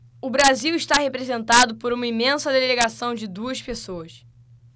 o brasil está representado por uma imensa delegação de duas pessoas